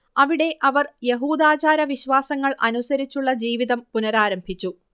അവിടെ അവർ യഹൂദാചാരവിശ്വാസങ്ങൾ അനുസരിച്ചുള്ള ജീവിതം പുനരാരംഭിച്ചു